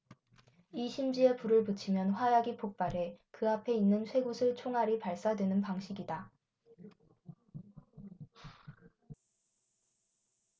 이 심지에 불을 붙이면 화약이 폭발해 그 앞에 있는 쇠구슬 총알이 발사되는 방식이다